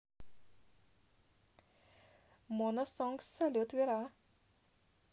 mona songz салют вера